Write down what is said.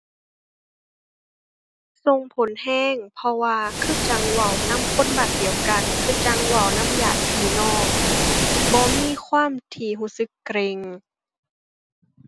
ส่งผลแรง เพราะว่าคือจั่งเว้านำคนบ้านเดียวกัน คือจั่งเว้านำญาติพี่น้อง บ่มีความที่แรงสึกเกร็ง